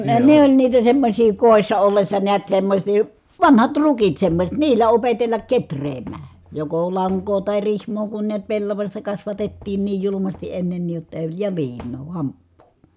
no ne ne oli niitä semmoisia kodissa ollessa näet semmoisia vanhat rukit semmoiset niillä opetella kehräämään joko lankaa tai rihmaa kun näet pellavasta kasvatettiin niin julmasti ennenkin jotta - ja liinaa hamppua